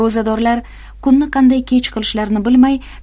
ro'zadorlar kunni qanday kech qilishlarini bilmay